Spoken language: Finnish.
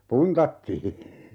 puntattiin